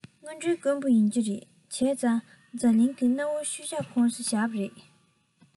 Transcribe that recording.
དངོས འབྲེལ དཀོན པོ ཡིན གྱི རེད བྱས ཙང འཛམ གླིང གི གནའ བོའི ཤུལ བཞག ཁོངས སུ བཞག པ རེད